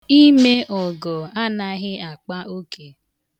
Ime ọgọ anaghị akpa oke.